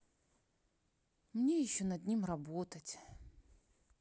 мне еще над ним работать